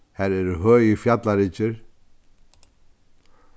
har eru høgir fjallaryggir